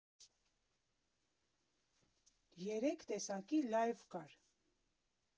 Երեք տեսակի լայվ կար։